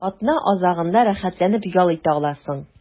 Атна азагында рәхәтләнеп ял итә аласың.